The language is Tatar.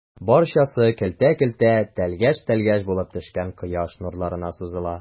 Барчасы көлтә-көлтә, тәлгәш-тәлгәш булып төшкән кояш нурларына сузыла.